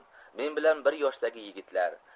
men bilan bir yoshdagi yigitlar